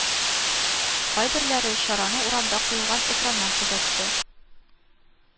Кайберләре чараны урамда куелган экраннан күзәтте